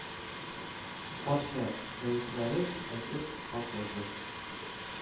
Барча гаепләрен әйтеп, хат язды